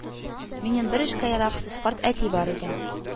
Минем бер эшкә яраксыз карт әти бар иде